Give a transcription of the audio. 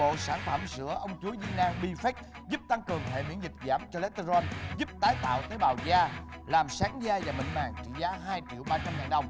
một bộ sản phẩm sữa ông chúa viên nang bi phếch giúp tăng cường hệ miễn dịch giảm tô lét tê rôn giúp tái tạo tế bào da làm sáng da mịn màng trị giá hai triệu ba trăm ngàn đồng